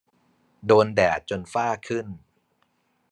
โดนแดดจนฝ้าขึ้น